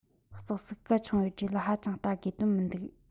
རྩག རྩིག གལ ཆུང བའི གྲས ལ ཧ ཅང ལྟ དགོས དོན མི འདུག